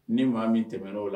Ni maa min tɛmɛn'o la